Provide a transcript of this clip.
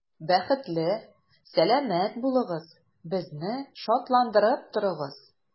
Бәхетле, сәламәт булыгыз, безне шатландырып торыгыз.